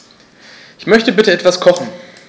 Ich möchte bitte etwas kochen.